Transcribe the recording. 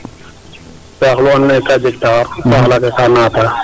saax lu andoona ye kaa jeg taxar saax laaga kaa naata.